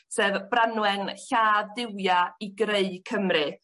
Sef Branwen Llad Duwia i greu Cymru.